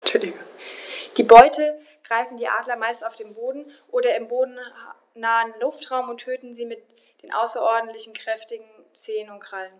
Die Beute greifen die Adler meist auf dem Boden oder im bodennahen Luftraum und töten sie mit den außerordentlich kräftigen Zehen und Krallen.